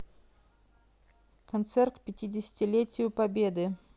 концерт к пятидесятилетию победы